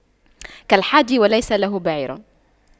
كالحادي وليس له بعير